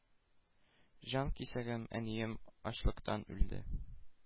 Җанкисәгем — әнием — ачлыктан үлде.